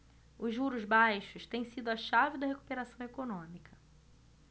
os juros baixos têm sido a chave da recuperação econômica